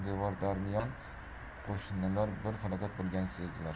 devordarmiyon qo'shnilar bir falokat bo'lganini sezadilar